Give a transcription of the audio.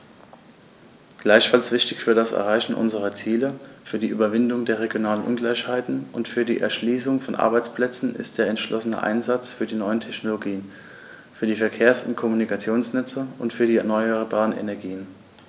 Gleichfalls wichtig für das Erreichen unserer Ziele, für die Überwindung der regionalen Ungleichheiten und für die Erschließung von Arbeitsplätzen ist der entschlossene Einsatz für die neuen Technologien, für die Verkehrs- und Kommunikationsnetze und für die erneuerbaren Energien.